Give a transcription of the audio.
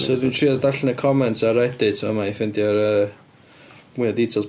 So, dwi'n trio darllen y comments ar Reddit a nai ffeindio'r yy mwy o details.